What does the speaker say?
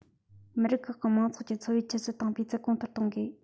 མི རིགས ཁག གི མང ཚོགས ཀྱི འཚོ བའི ཆུ ཚད དང སྤུས ཚད གོང མཐོར གཏོང དགོས